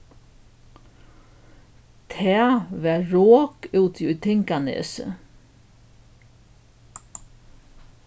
tað var rok úti í tinganesi